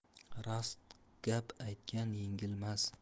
rost gap aytgan yengilmas